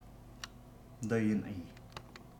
འདི ཡིན འོས